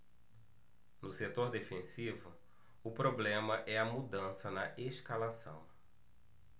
no setor defensivo o problema é a mudança na escalação